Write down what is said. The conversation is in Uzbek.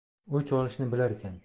o'ch olishni bilarkan